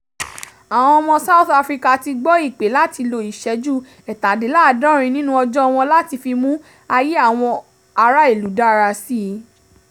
Àwọn ọmọ South Africa ti gbọ́ ìpè láti lò ìṣẹ́jú 67 nínú ọjọ́ wọn láti fi mú ayé àwọn ará ìlú dára síi.